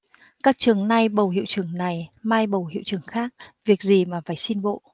các trường nay bầu hiệu trưởng này mai bầu hiệu trưởng khác việc gì mà phải xin bộ